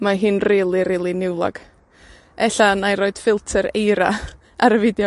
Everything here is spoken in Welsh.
Mae hi'n rili rili niwlog. Ella 'nai roid ffilter eira ar y fideo